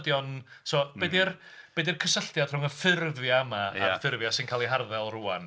Ydi o'n... So, be 'di'r... be 'di'r cysylltiad rhwng y ffurfia yma a'r ffurfiau sy'n cael eu harddel rŵan?